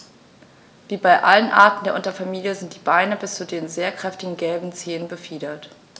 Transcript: Wie bei allen Arten der Unterfamilie sind die Beine bis zu den sehr kräftigen gelben Zehen befiedert.